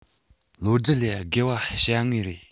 ལོ རྒྱུས ལས རྒལ བ བྱེད ངེས རེད